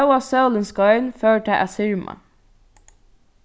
hóast sólin skein fór tað at sirma